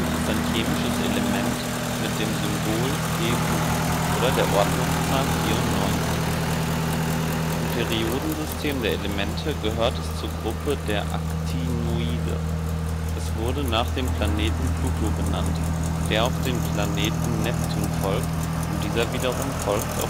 ist ein chemisches Element mit dem Symbol Pu und der Ordnungszahl 94. Im Periodensystem der Elemente gehört es zur Gruppe der Actinoide. Es wurde nach dem Planeten Pluto benannt, der auf den Planeten Neptun folgt, und dieser wiederum folgt